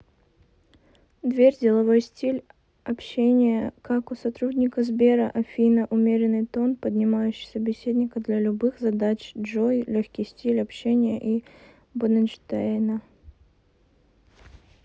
дверь деловой стиль общения как у сотрудника сбера афина умеренный тон понимающий собеседника для любых задач джой легкий стиль общения и боденштайна